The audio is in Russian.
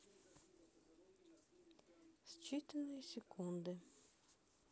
считанные секунды